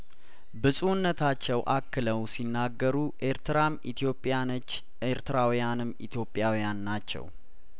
ብጹእነታቸው አክለው ሲናገሩ ኤርትራም ኢትዮጵያ ነች ኤርትራውያንም ኢትዮጵያዊያን ናቸው